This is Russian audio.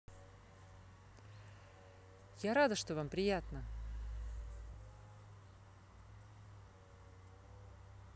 я рада что вам приятно